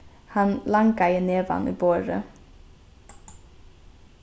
hann langaði nevan í borðið